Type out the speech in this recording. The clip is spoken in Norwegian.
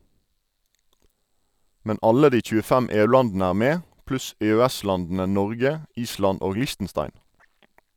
Men alle de 25 EU-landene er med, pluss EØS-landene Norge, Island og Liechtenstein.